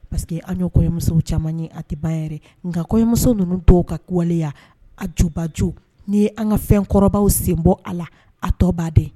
Pa que an ye kɔyɔmuso caman ye a tɛ ba yɛrɛ nka kɔ yemuso ninnu dɔw ka waleya a jubaj' an ka fɛn kɔrɔw sen bɔ a la a tɔ bbad